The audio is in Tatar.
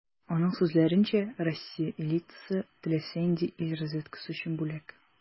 Аның сүзләренчә, Россия элитасы - теләсә нинди ил разведкасы өчен бүләк.